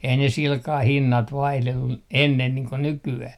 ei ne sillä kalella hinnat vaihdellut ennen niin kuin nykyään